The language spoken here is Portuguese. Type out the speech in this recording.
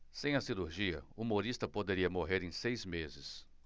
sem a cirurgia humorista poderia morrer em seis meses